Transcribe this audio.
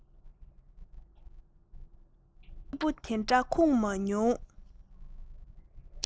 གཉིད སྐྱིད པོ འདི འདྲ ཁུག མ མྱོང